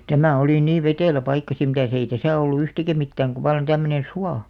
tämä oli niin vetelä paikka sitten mitäs ei tässä ollut yhtikäs mitään kun vallan tämmöinen suo